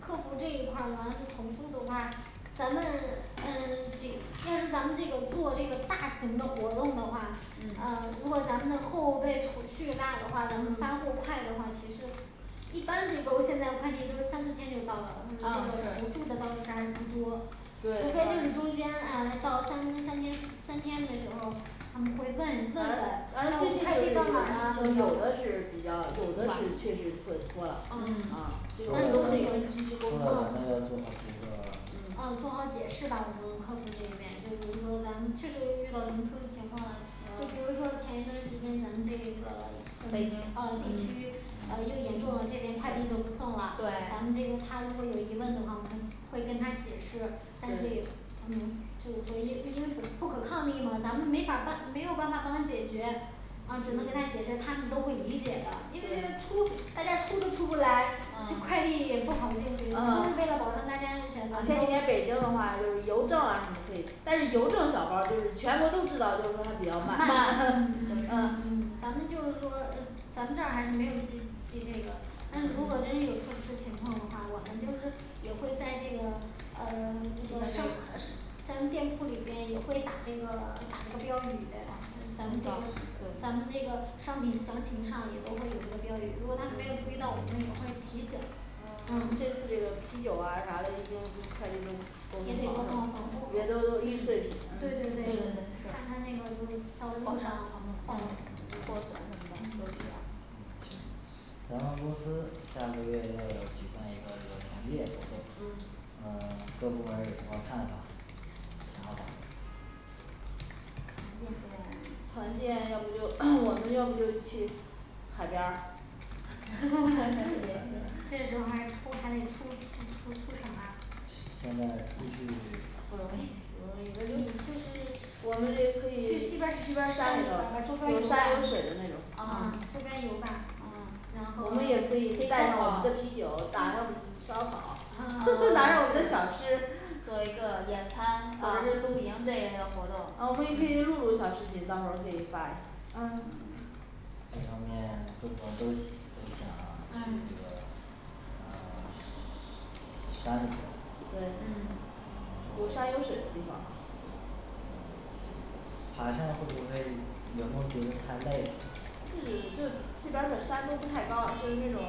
客服这一块儿咱投诉的话咱们 嗯 这要是咱们这个做这个大型的活动的话嗯嗯如果咱们的货物备储蓄大的话咱们发货快嗯的话，其实一般这个现在快递都三四天就到了，嗯这嗯个投诉的倒是是还不多除非就是对中间诶到三三天三天的时候他们会问问而问而最最近近快就递到哪儿啦是有的是晚比较有的确实会拖啊嗯嗯拖单方了的一个咱拖了沟通咱都要做好解释啊吧做好嗯解释吧我们客服这边就是比如说咱们确实遇到什么特殊情况啦就比如说嗯前一段时间咱们这个 北啊京地区嗯 呃又严重了，这些快递都不送啦，咱们这个对他如果有疑问的话我们会跟他解释但是也对嗯就是说也 因为不可抗力嘛，咱们没法儿办，没有办法儿帮他解决啊只能跟他解嗯释，他们都会理解的，因为这样对出大家出都出不来嗯嗯而，这快递 也不好进去，为了保证大家选择就且是北京说的话，就是邮政啊什么可以但是邮政小包儿就是全国都知道就慢是说它比嗯嗯较慢慢，嗯呃嗯嗯咱们就是说咱们这儿还是没有寄寄这个但是如果真有嗯特殊情况的话，我们就是也会在这个呃 往上咱们店铺里边也会打这个 打个标语的咱网们这个咱们这对个商品详情上也都会有一个标语，如果他们没有注意到，我们也会提醒这这个嗯嗯啤酒啊啥嘞这快递都沟通好也是得嗯对对对是沟通吧巩固对别到时候易碎品嗯对嗯对看他那个就是爆伤嗯破损什么的嗯都提到嗯行咱们公司下个月要举办一个这个行业活动嗯嗯 各部门儿有什么看法想法团建呗团建要不就 我们要不就去海边儿 这句话儿出还得出出出出省啦现在出不容去 易 不就容是易 我们也可以去 西西边边儿儿山山里里边儿玩儿周边头儿有游山有水的那种啊啊周边儿游吧嗯然我后 们也可可以以烧带上我们烤的啤酒打这烧烤嗯嗯嗯顺便拿着我们的小吃是做一个野啊餐嗯我或者是露营这一类的活动们也可以录一个小视频到时候儿发一下嗯这方面 各部门儿都西 都想 去这个嗯嗯 山里面对嗯你有们山有水都的地方嗯行爬山会不会 员工觉得太累了这这这边儿的山都不太高就是那种